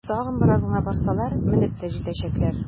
Тагын бераз гына барсалар, менеп тә җитәчәкләр!